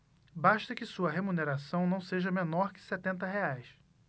basta que sua remuneração não seja menor que setenta reais